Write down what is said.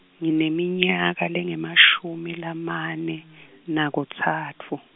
ngineminyaka lengemashumi lamane, nakutsatfu.